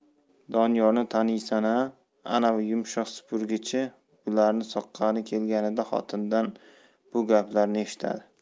doniyorni taniysan a anavi yumshoq supurgi chi bularni soqqani kelganida xotindan bu gaplarni eshitadi